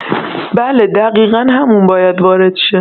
بله دقیقا همون باید وارد شه